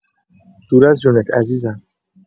دور از جونت عزیزم!